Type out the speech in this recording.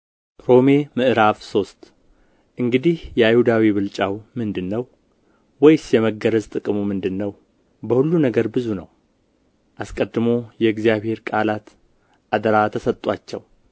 ሮሜ ምዕራፍ ሶስት እንግዲህ የአይሁዳዊ ብልጫው ምንድር ነው ወይስ የመገረዝ ጥቅሙ ምንድር ነው በሁሉ ነገር ብዙ ነው አስቀድሞ የእግዚአብሔር ቃላት አደራ ተሰጡአቸው